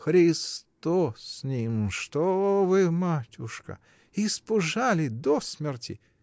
— Христос с ним — что вы, матушка, испужали до смерти!